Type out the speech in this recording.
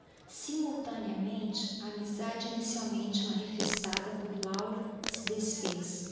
simultaneamente a amizade inicialmente manifestada por laura se disfez